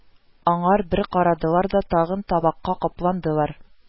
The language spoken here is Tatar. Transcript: Аңар бер карадылар да, тагын табакка капландылар